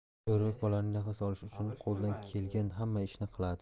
jo'rabek bolaning nafas olishi uchun qo'ldan kelgan hamma ishni qiladi